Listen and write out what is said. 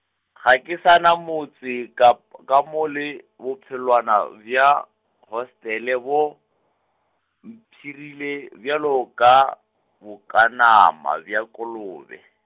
ga ke sa na motse ka p-, ka mo le, bophelwana bja, hostele bo, mpshirile bjalo ka, bokanama bja kolobe.